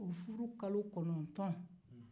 o furu kalo kɔnɔtɔn